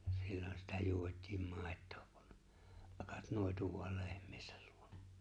silloin sitä juotiin maitoa kun akat noitui vain lehmiensä luona